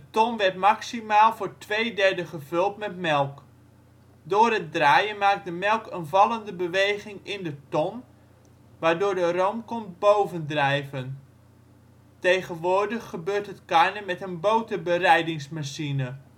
ton werd (max) voor twee derde gevuld met melk. Door het draaien maakt de melk een vallende beweging in de ton, waardoor de room komt bovendrijven. Tegenwoordig gebeurt het karnen met een boterbereidingsmachine